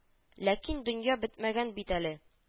Ләкин дөнья бетмәгән бит әле